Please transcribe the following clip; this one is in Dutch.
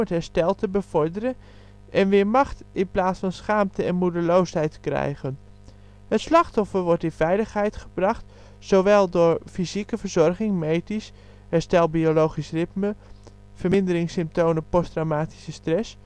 herstel te bevorderen en weer macht in plaat van schaamte en moedeloosheid krijgen. Het slachtoffer wordt in veiligheid gebracht, zowel door fysieke verzorging (medisch, herstel biologisch ritme, vermindering symptomen posttraumatische stress